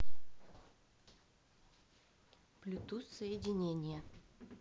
bluetooth соединение